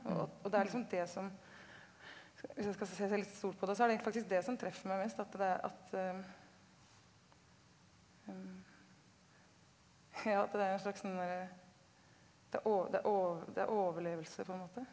og og det er liksom det som hvis jeg skal se litt stort på det så er det faktisk det som treffer meg mest at det er at ja at det er en slags sånn derre det er det er det er overlevelse på en måte.